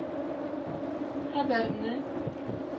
Хәбәрне